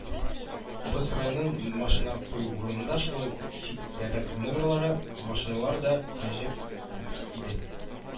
Боз сараеның машина кую урынында шулай ук чит төбәк номерлы машиналар да гаҗәеп күп иде.